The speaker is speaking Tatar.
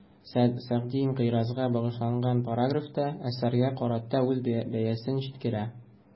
Сәгъди «инкыйраз»га багышланган параграфта, әсәргә карата үз бәясен җиткерә.